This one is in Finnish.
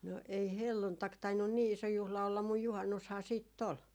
no ei helluntai tainnut niin iso juhla olla mutta juhannushan sitten oli